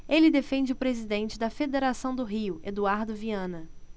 ele defende o presidente da federação do rio eduardo viana